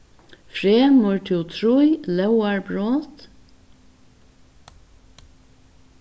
fremur tú trý lógarbrot